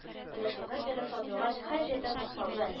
Менә шуннан бирле сандугач һәрҗирдә мактаулы